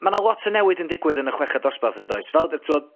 ma' 'na lot o newid yn digwydd yn y chweched dosbarth yn does? Fel t'wod